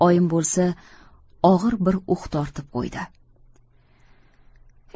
oyim bo'lsa og'ir bir uh tortib qo'ydi